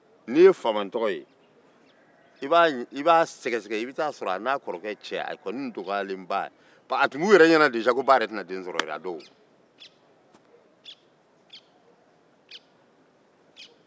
n'i ye faamatɔgɔ ye i b'a sɛgɛsɛgɛ a tun b'u ɲɛna ko ba tɛna den sɔrɔ